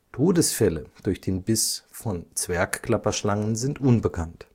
Todesfälle durch den Biss von Zwergklapperschlangen sind unbekannt